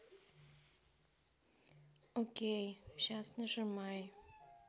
окей щас нажимай